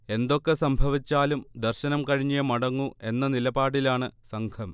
എന്തൊക്കെ സംഭവിച്ചാലും ദർശനം കഴിഞ്ഞേമടങ്ങൂ എന്ന നിലപാടിലാണ് സംഘം